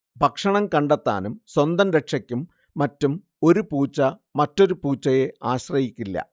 ഭക്ഷണം കണ്ടെത്താനും സ്വന്തം രക്ഷയ്ക്കും മറ്റും ഒരു പൂച്ച മറ്റൊരു പൂച്ചയെ ആശ്രയിക്കില്ല